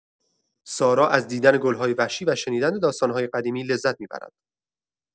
سارا از دیدن گل‌های وحشی و شنیدن داستان‌های قدیمی لذت می‌برد.